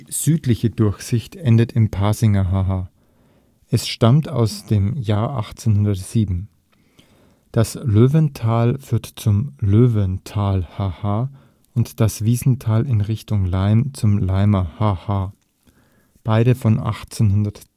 Südliche Durchsicht endet im Pasinger Ha-Ha, es stammt aus dem Jahr 1807. Das Löwental führt zum Löwental-Ha-Ha und das Wiesental in Richtung Laim zum Laimer Ha-Ha, beide von 1810. Im